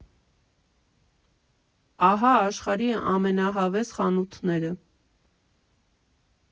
Ահա աշխարհի ամենահավես խանութները։